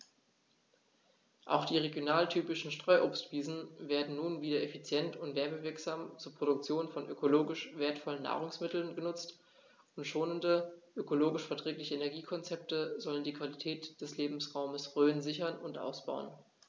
Auch die regionaltypischen Streuobstwiesen werden nun wieder effizient und werbewirksam zur Produktion von ökologisch wertvollen Nahrungsmitteln genutzt, und schonende, ökologisch verträgliche Energiekonzepte sollen die Qualität des Lebensraumes Rhön sichern und ausbauen.